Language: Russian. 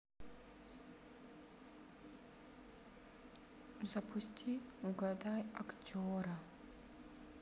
запусти угадай актера